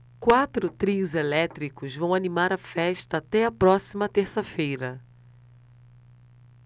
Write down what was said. quatro trios elétricos vão animar a festa até a próxima terça-feira